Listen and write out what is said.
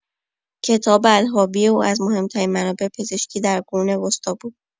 کتاب «الحاوی» او از مهم‌ترین منابع پزشکی در قرون وسطی بود.